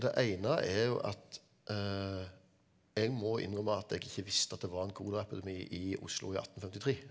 det ene er jo at jeg må innrømme at jeg ikke visste at det var en koleraepidemi i Oslo i attenfemtitre.